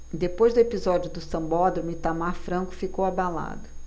depois do episódio do sambódromo itamar franco ficou abalado